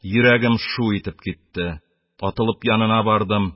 Йөрәгем шу итеп китте, атылып янына бардым: